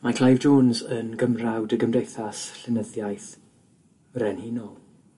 Mae Clive Jones yn gymrawd y Gymdeithas Llenyddiaeth Frenhinol.